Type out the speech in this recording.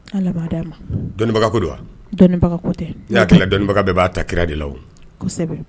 'a dɔnni bɛɛ b'a ta kira de la